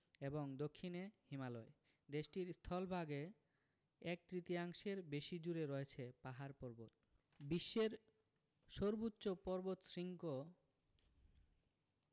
এবং দক্ষিনে হিমালয় দেশটির স্থলভাগে এক তৃতীয়াংশের বেশি জুড়ে রয়ছে পাহাড় পর্বত বিশ্বের সর্বোচ্চ পর্বতশৃঙ্গ